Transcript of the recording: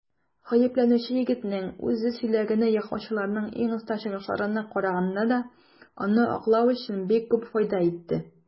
Гаепләнүче егетнең үзе сөйләгәне яклаучыларның иң оста чыгышларына караганда да аны аклау өчен бик күп файда итте.